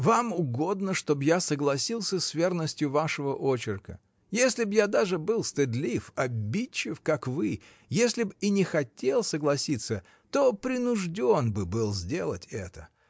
— Вам угодно, чтоб я согласился с верностью вашего очерка: если б я даже был стыдлив, обидчив, как вы, если б и не хотел согласиться, то принужден бы был сделать это.